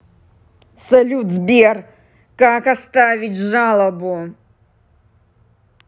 салют сбер как оставить жалобу